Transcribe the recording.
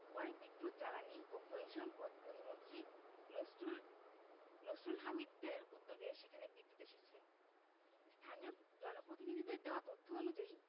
পরে বিদ্যুৎ জ্বালানি ও খনিজ সম্পদ প্রতিমন্ত্রী নসরুল নসরুল হামিদদের উদ্যোগে সেখানে বিদ্যুৎ এসেছে স্থানীয় জনপ্রতিনিধিদের দেওয়া তথ্য অনুযায়ী